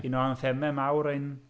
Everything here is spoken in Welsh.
Un o'r anthemau mawr ein...